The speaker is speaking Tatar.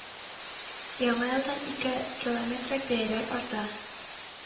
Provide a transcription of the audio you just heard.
Яңа елдан ике километрәк бәяләре арта